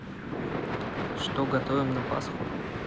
что готовим на пасху